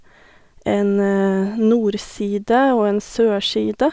En nordside og en sørside.